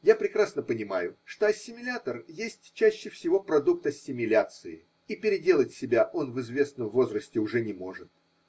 Я прекрасно понимаю, что ассимилятор есть, чаще всего, продукт ассимиляции, и переделать себя он в известном возрасте уже не может.